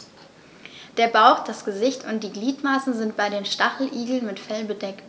Der Bauch, das Gesicht und die Gliedmaßen sind bei den Stacheligeln mit Fell bedeckt.